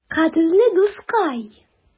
Кадерле дускай!